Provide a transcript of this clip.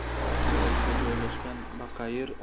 tog' etagiga joylashgan baqayir